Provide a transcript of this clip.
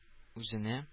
Үзенә